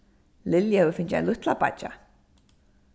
lilja hevur fingið ein lítlabeiggja